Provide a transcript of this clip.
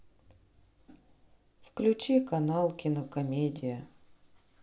включи канал кинокомедия